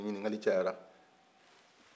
ɲininkali cayara